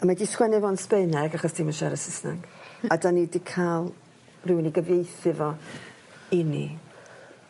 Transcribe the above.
A mae 'di sgwennu fo'n Sbaeneg achos 'di 'im yn siarad Sysnag a 'dan ni 'di ca'l rywun i gyfieithu fo i ni